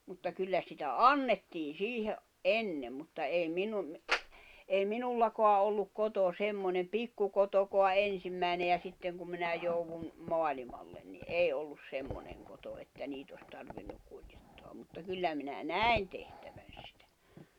mutta kyllä sitä annettiin siihen - ennen mutta ei minun - ei minulla ollut koto semmoinen pikkukotokaan ensimmäinen ja sitten kun minä joudun maailmalle niin ei ollut semmoinen koto että niitä olisi tarvinnut kuljettaa mutta kyllä minä näin tehtävän sitä